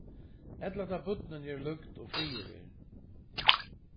ella tá ið børnini eru løgd og friður er